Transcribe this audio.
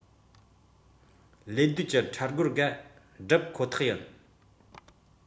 ང ཚོ ཧ ཅང ཁག གཅིག སྤེལ གྱི བློ ཡུལ ནས ལན བཏབ པ ཞིག པ ཁོ ཐག རེད